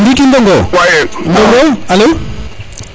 ndiki ndongo Ndongo alo